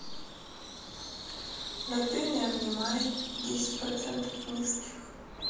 но ты не обнимай десять процентов низких